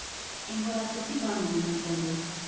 Էն որ ասեցի՝ բան ունեմ ասելու։